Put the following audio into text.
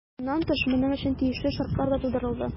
Моннан тыш, моның өчен тиешле шартлар да тудырылды.